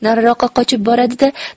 nariroqqa qochib boradi da